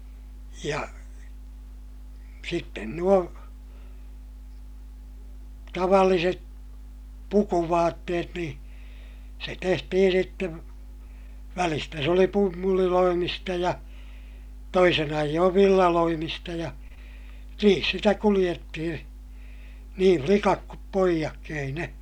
ja sitten nuo tavalliset pukuvaatteet niin se tehtiin sitten välistä se oli pumpuliloimista ja toisin ajoin villaloimista ja niin sitä kuljettiin niin likat kuin pojatkin ei ne